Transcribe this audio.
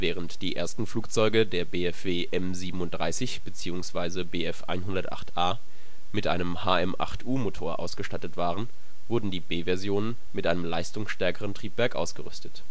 Während die ersten Flugzeuge der BFW M 37 / Bf 108 A mit einem Hirth HM 8 U ausgestattet waren, wurden die B-Versionen mit einem leistungsstärkeren Triebwerk ausgerüstet